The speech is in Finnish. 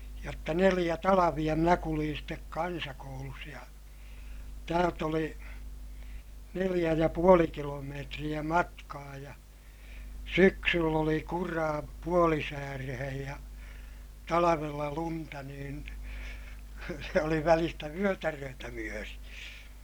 jotta neljä talvea minä kuljin sitten kansakoulussa ja täältä oli neljä ja puoli kilometriä matkaa ja syksyllä oli kuraa puolisääreen ja talvella lunta niin se oli välistä vyötäröitä myöten